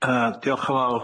Yy diolch yn fawr.